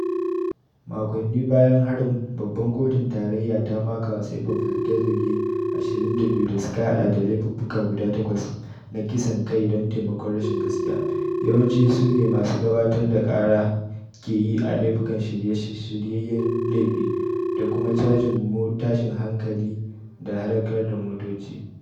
Makonni bayan harin, babban kotun tarayya ta maka wa Saipov zarge-zarge 22 da suka hada da laifuffuka guda takwas na kisan kai don taimakon rashin gaskiya, yawanci sune masu gabatar da kara ke yi a laifukan shiryeyyen laifi, da kuma cajin tashin hankali da halakar da motoci.